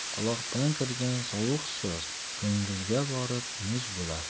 quloqdan kirgan sovuq so'z ko'ngilga borib muz bo'lar